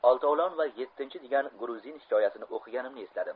oltovlon va yettinchi degan gruzin hikoyasini o'qiganimni esladim